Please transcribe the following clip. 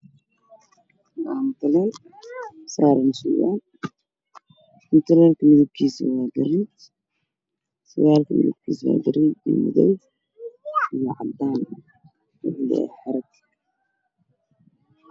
Waa surgaal midabkiisu yahay madow cadaan isku dhex jira wuxuu saaran yahay cadaan